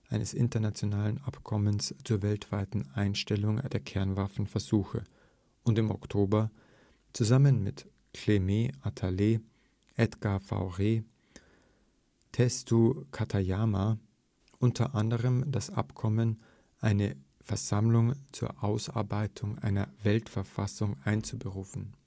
eines internationalen Abkommens zur weltweiten Einstellung der Kernwaffenversuche “und im Oktober, zusammen mit Clement Attlee, Edgar Faure, Tetsu Katayama u. a. das „ Abkommen, eine Versammlung zur Ausarbeitung einer Weltverfassung “einzuberufen